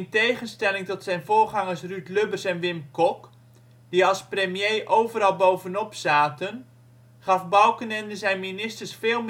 tegenstelling tot zijn voorgangers Ruud Lubbers en Wim Kok, die als premier overal bovenop zaten, gaf Balkenende zijn ministers veel